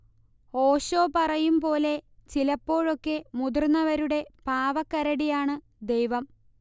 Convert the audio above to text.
ഓഷോ പറയും പോലെ, ചിലപ്പോഴൊക്കെ മുതിർന്നവരുടെ പാവക്കരടിയാണ് ദൈവം